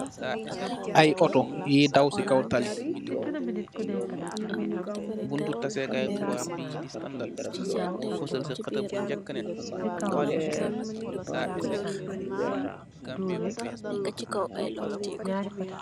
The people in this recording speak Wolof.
Ay Otto yui daw ci kaw tali.